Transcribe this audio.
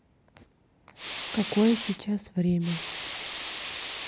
какое сейчас время